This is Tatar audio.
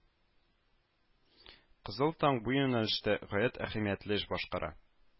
Кызыл таң бу юнәлештә гаять әһәмиятле эш башкара